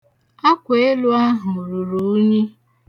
Akweelu ahụ ruru unyi.